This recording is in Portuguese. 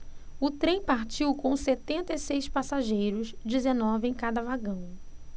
o trem partiu com setenta e seis passageiros dezenove em cada vagão